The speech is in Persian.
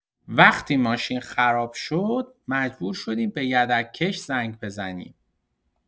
وقتی ماشین خراب شد، مجبور شدیم به یدک‌کش زنگ بزنیم.